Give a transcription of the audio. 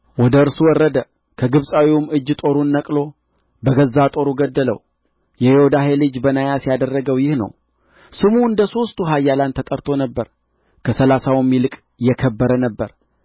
ወደ እርሱ ወረደ ከግብጻዊውም እጅ ጦሩን ነቅሎ በገዛ ጦሩ ገደለው የዮዳሄ ልጅ በናያስ ያደረገው ይህ ነው ስሙም እንደ ሦስቱ ኃያላን ተጠርቶ ነበር ከሠላሳውም ይልቅ የከበረ ነበረ